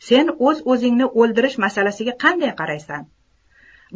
sen o'z o'zini o'ldirish masalasiga qanday qaraysan